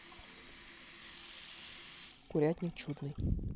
курятник чудный